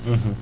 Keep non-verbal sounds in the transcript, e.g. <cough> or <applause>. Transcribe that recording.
<hesitation> <hesitation>